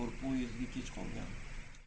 bor poyezdga kech qolgan